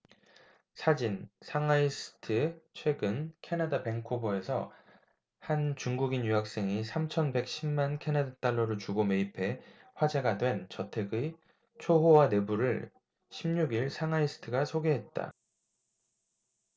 사진 상하이스트최근 캐나다 밴쿠버에서 한 중국인 유학생이 삼천 백 십 만 캐나다 달러를 주고 매입해 화제가 된 저택의 초호화 내부를 십 육 일 상하이스트가 소개했다